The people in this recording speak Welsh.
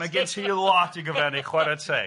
Ma' gen ti lot i gyfrannu chware teg.